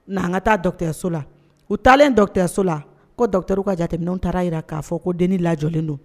Nka an ka taaso la u taalenso la kotɛr ka jateminɛ taara jira k'a fɔ ko den lajɔlen don